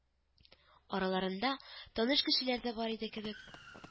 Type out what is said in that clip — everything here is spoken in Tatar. Араларында таныш кешеләр да бар иде кебек